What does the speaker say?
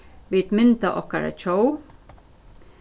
vit mynda okkara tjóð